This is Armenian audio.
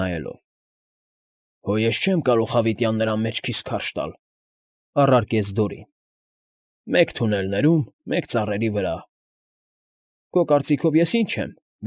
Նայելով։ ֊ Հո ես չեմ կարող հավիտյան նրան մեջքիս քարշ տալ,֊ առարկեք Դորին,֊ մեկ թունելներում, մեկ ծառերի վրա։֊ Քո կարծիքով ես ի՞նչ եմ։